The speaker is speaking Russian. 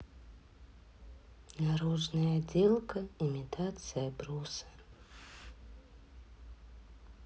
наружная отделка имитация бруса